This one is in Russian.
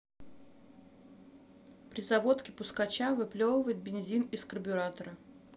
при заводке пускача выплевывает бензин из карбюратора